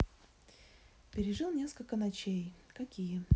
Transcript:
пережил несколько ночей какие